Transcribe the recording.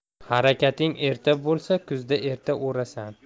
harakating erta bo'lsa kuzda erta o'rasan